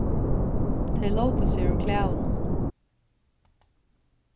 tey lótu seg úr klæðunum